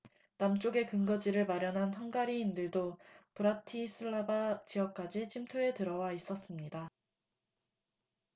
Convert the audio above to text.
남쪽에 근거지를 마련한 헝가리인들도 브라티슬라바 지역까지 침투해 들어와 있었습니다